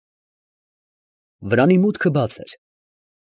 Վրանի մուտքը բաց էր։